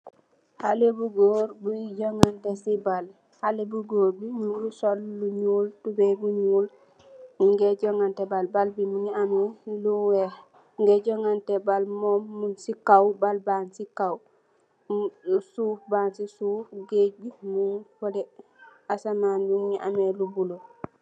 Halle bu goor buy jongante si ball, halle bu goor bi mungi sol tubeuy bu nyuul, mungee jongante ball, ball bi mungi ame lu weeh, mungee jongante ball mom mung si kaw, bal bang si kaw, suuf baang si suuf, geej mung si feuleh, asamaan bi mungi ame lu